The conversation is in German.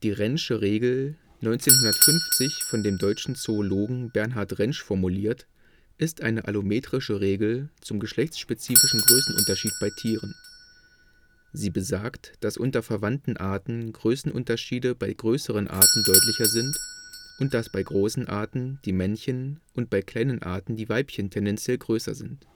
Renschsche Regel, 1950 von dem deutschen Zoologen Bernhard Rensch formuliert, ist eine allometrische Regel zum geschlechtsspezifischen Größenunterschied bei Tieren. Sie besagt, dass unter verwandten Arten Größenunterschiede bei größeren Arten deutlicher sind und dass bei großen Arten die Männchen und bei kleinen Arten die Weibchen tendenziell größer sind